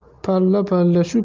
palla palla shu